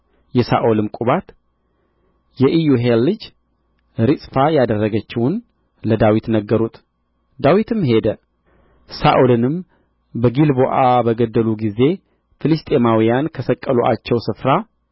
የሳኦልም ቁባት የኢዮሄል ልጅ ሪጽፋ ያደረገችውን ለዳዊት ነገሩት ዳዊትም ሄደ ሳኦልንም በጊልቦዓ በገደሉ ጊዜ ፍልስጥኤማውያን ከሰቀሉአቸው ስፍራ